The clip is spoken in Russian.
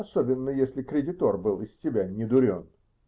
Особенно, если кредитор был из себя недурен.